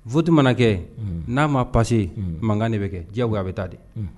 Ti manakɛ n'a ma pase mankan de bɛ kɛ diyagoya a bɛ taa di